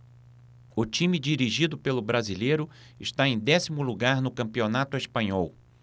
o time dirigido pelo brasileiro está em décimo lugar no campeonato espanhol